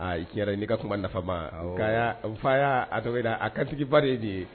Tiɲɛ ye n'i ka kuma nafama fa y'a a dɔda a kantigiba ye de ye